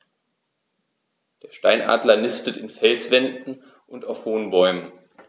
Der Steinadler nistet in Felswänden und auf hohen Bäumen.